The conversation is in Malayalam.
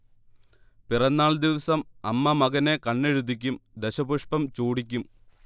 പിറന്നാൾദിവസം അമ്മ മകനെ കണ്ണെഴുതിക്കും, ദശപുഷ്പം ചൂടിക്കും